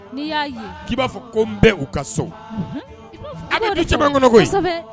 ' b'a fɔ ko n ka so a bɛ tɛ cɛba kɔnɔ koyi